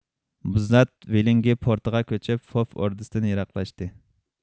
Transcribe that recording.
مۇزات ۋىلىنگى پورتىغا كۆچۈپ فوف ئوردىسىدىن يىراقلاشتى